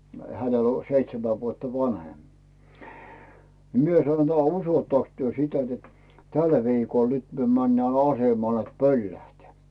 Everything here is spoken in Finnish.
hänellä on seitsemän vuotta vanhempi niin minä sanoin että uskottekos te sitä että tällä viikolla nyt me mennään asemalle että pöllähtää